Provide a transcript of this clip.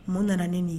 Mun nana ne nin ye